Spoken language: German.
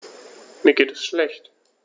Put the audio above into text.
Mir geht es schlecht.